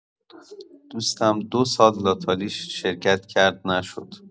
دوستم دو سال لاتاری شرکت کرد، نشد.